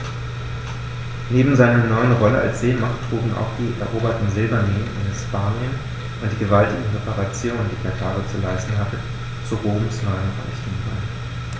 Neben seiner neuen Rolle als Seemacht trugen auch die eroberten Silberminen in Hispanien und die gewaltigen Reparationen, die Karthago zu leisten hatte, zu Roms neuem Reichtum bei.